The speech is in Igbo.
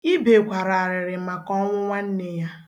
Arịrị agbawaala m obi.